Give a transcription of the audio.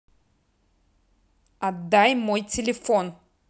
отдай мой телефон